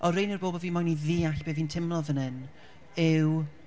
O, rheiny yw'r bobl fi moyn i ddeall be fi'n teimlo fan hyn, yw...